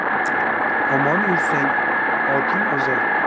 omon yursang oting o'zar